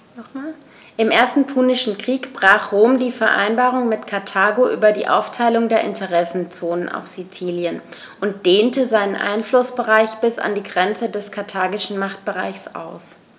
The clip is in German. Im Ersten Punischen Krieg brach Rom die Vereinbarung mit Karthago über die Aufteilung der Interessenzonen auf Sizilien und dehnte seinen Einflussbereich bis an die Grenze des karthagischen Machtbereichs aus.